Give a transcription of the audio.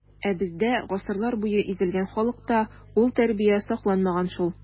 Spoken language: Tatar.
Ә бездә, гасырлар буе изелгән халыкта, ул тәрбия сакланмаган шул.